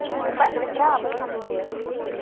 указ петра об ассамблеях